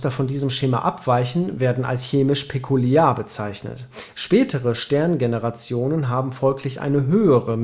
von diesem Schema abweichen, werden als chemisch pekuliar bezeichnet. Spätere Sternengenerationen haben folglich eine höhere